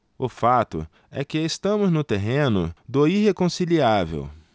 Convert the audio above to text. o fato é que estamos no terreno do irreconciliável